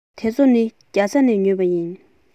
འདི ཚོ ནི རྒྱ ཚ ནས ཉོས པ ཡིན